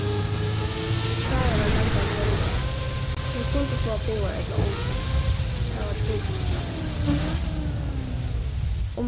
sára var noydd at velja hon kundi fáa báðar ella ongan tað var trupult hjá henni